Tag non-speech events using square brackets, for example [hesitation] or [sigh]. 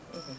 [hesitation] [hesitation]